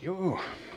joo